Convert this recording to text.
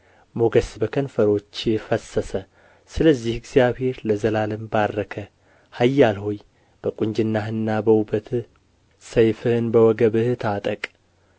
ሞገስ በከንፈሮችህ ፈሰሰ ስለዚህ እግዚአብሔር ለዘላለም ባረከህ ኃያል ሆይ በቍንጅናህና በውበትህ ሰይፍህን በወገብህ ታጠቅ